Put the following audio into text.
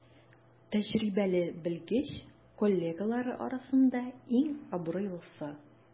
Тәҗрибәле белгеч коллегалары арасында иң абруйлысы.